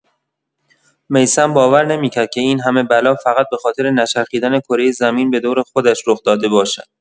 میثم باور نمی‌کرد که این‌همه بلا فقط به‌خاطر نچرخیدن کره زمین به دور خودش رخ‌داده باشد.